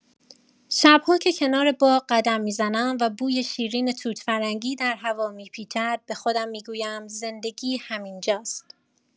شب‌ها که کنار باغ قدم می‌زنم و بوی شیرین توت‌فرنگی در هوا می‌پیچد به خودم می‌گویم زندگی همین جاست.